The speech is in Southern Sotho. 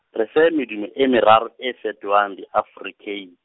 re fe medumo e meraro e fetohang diaforekei-.